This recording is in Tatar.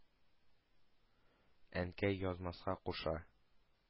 Әнкәй язмаска куша.